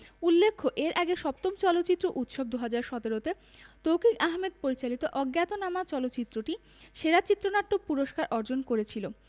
উল্লেখ্য এর আগে ৭ম চলচ্চিত্র উৎসব ২০১৭ তে তৌকীর আহমেদ পরিচালিত অজ্ঞাতনামা চলচ্চিত্রটি সেরা চিত্রনাট্য পুরস্কার অর্জন করেছিল